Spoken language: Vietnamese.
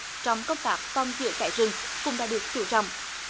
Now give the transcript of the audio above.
trong công tác phòng chữa cháy rừng cũng đã được chú trọng